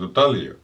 niin mutta talia